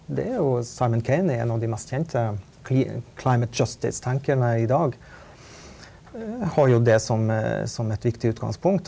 det er jo Simon Caney en av de mest kjente tenkende i dag har jo det som som et viktig utgangspunkt,